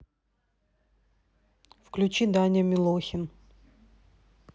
включи даня милохин